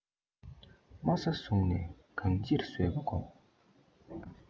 དམའ ས བཟུང ནས གང ཅིར བཟོད པ སྒོམ